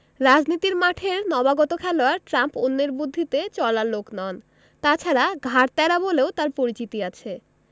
রাজনীতির মাঠের নবাগত খেলোয়াড় ট্রাম্প অন্যের বুদ্ধিতে চলার লোক নন তা ছাড়া ঘাড় ত্যাড়া বলেও তাঁর পরিচিতি আছে